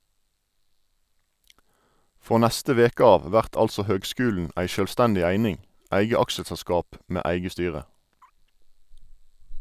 Frå neste veke av vert altså høgskulen ei sjølvstendig eining, eit eige aksjeselskap med eige styre.